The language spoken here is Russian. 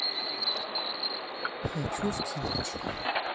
хочу в кино джой